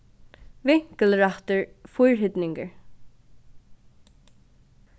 vinkulrættur fýrhyrningur